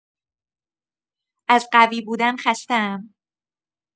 از قوی بودن خسته‌ام.